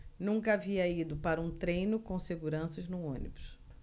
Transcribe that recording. nunca havia ido para um treino com seguranças no ônibus